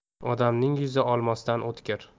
odamning yuzi olmosdan o'tkir